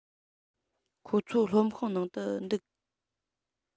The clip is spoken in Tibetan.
ཁོ ཚོ སློབ ཁང ནང དུ འདུག